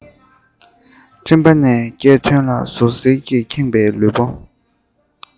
མགྲིན པ ནས སྐད མ ཐོན ལ ཟུག གཟེར གྱིས ཁེངས པའི ལུས པོ